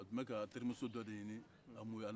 a tun bɛ ka a terimuso dɔ de ɲinin